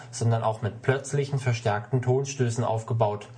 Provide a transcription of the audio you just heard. sondern auch mit plötzlichen, verstärkten Tonstößen aufgebaut